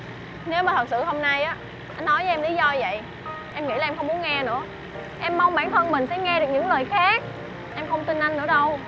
nếu mà thật sự hôm nay á anh nói với em lý do vậy em nghĩ là em không muốn nghe nữa em mong bản thân mình sẽ nghe được những lời khác em không tin anh nữa đâu